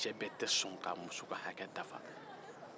cɛ bɛɛ tɛ sɔn ka muso ka hakɛ dafa